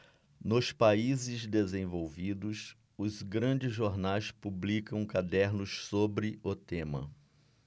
nos países desenvolvidos os grandes jornais publicam cadernos sobre o tema